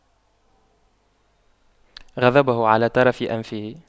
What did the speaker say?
غضبه على طرف أنفه